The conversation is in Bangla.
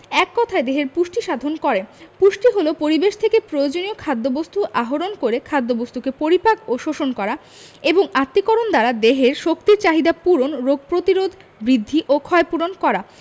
এক কথায় দেহের পুষ্টি সাধন করে পুষ্টি হলো পরিবেশ থেকে প্রয়োজনীয় খাদ্যবস্তু আহরণ করে খাদ্যবস্তুকে পরিপাক ও শোষণ করা এবং আত্তীকরণ দ্বারা দেহের শক্তির চাহিদা পূরণ রোগ প্রতিরোধ বৃদ্ধি ও ক্ষয়পূরণ করা